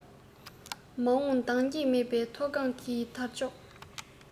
མ འོངས འདང རྒྱག མེད པའི མཐོ སྒང གི དར ལྕོག